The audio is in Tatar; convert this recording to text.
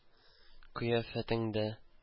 Кыяфәтендә